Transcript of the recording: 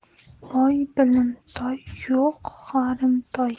bor bilimtoy yo'q horimtoy